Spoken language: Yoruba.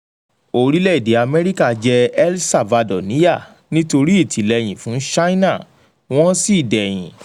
Orílẹ̀-èdè Amẹ́ríkà jẹ́ El Salvador níyà nítorí Ìtìlẹ́yìn fún Ṣáínà, Wọ́n sì dẹ̀yìn.